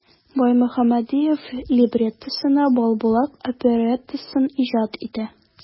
Баймөхәммәдев либреттосына "Балбулак" опереттасын иҗат итә.